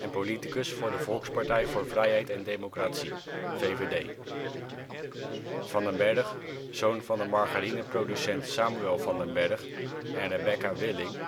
politicus voor de Volkspartij voor Vrijheid en Democratie (VVD). Van den Bergh, zoon van de margarine-producent Samuel van den Bergh en Rebecca Willing